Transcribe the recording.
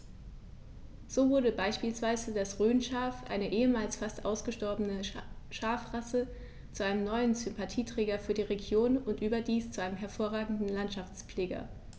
So wurde beispielsweise das Rhönschaf, eine ehemals fast ausgestorbene Schafrasse, zu einem neuen Sympathieträger für die Region – und überdies zu einem hervorragenden Landschaftspfleger.